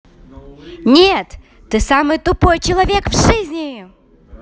нет ты самый тупой человек в жизни